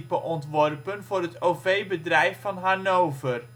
ontworpen voor het OV-bedrijf van Hannover